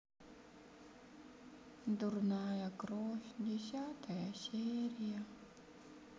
дурная кровь десятая серия